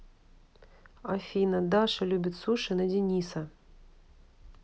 афина даша любит суши на дениса